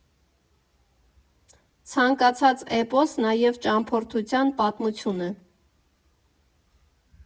Ցանկացած էպոս՝ նաև ճամփորդության պատմություն է։